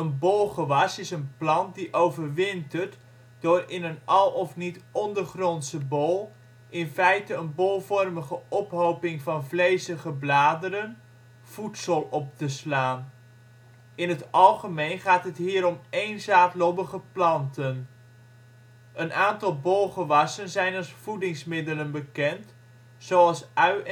bolgewas is een plant die overwintert door in een al of niet ondergrondse bol, in feite een bolvormige ophoping van vlezige bladeren, voedsel op te slaan. In het algemeen gaat het hier om éénzaadlobbige planten. Een aantal bolgewassen zijn als voedingsmiddelen bekend, zoals ui